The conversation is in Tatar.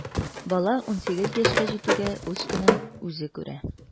Бала унсигез яшькә җитүгә үз көнен үзе күрә.